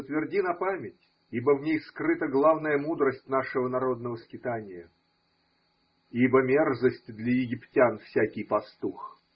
затверди на память, ибо в ней скрыта главная мудрость нашего народного скитания: Ибо мерзость для египтян всякий пастух.